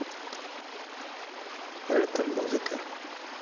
ретро музыка